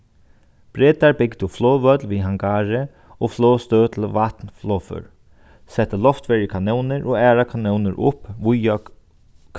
bretar bygdu flogvøll við hangari og flogstøð til vatnflogfør settu loftverjukanónir og aðrar kanónir upp víða